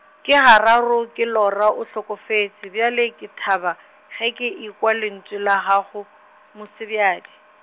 ke gararo ke lora o hlokofetše bjale ke thaba, ge ke ekwa lentšu la gago, Mosebjadi.